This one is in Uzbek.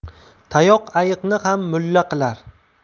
tayoq ayiqni ham mulla qilar